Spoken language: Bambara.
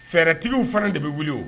Fɛɛrɛtigiww fana de bɛ wuli